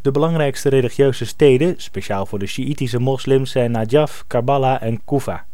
belangrijkste religieuze steden, speciaal voor sjiitische moslims, zijn Najaf, Karbala en Koefa